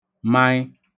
maị